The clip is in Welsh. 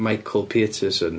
Michael Peterson.